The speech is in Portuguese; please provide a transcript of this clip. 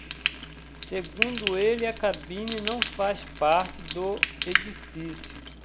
segundo ele a cabine não faz parte do edifício